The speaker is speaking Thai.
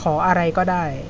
ขออะไรก็ได้